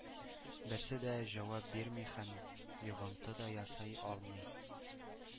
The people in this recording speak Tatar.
– берсе дә җавап бирми һәм йогынты да ясый алмый.